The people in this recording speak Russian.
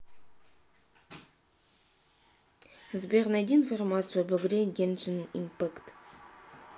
сбер найди информацию об игре геншин impact